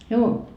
juu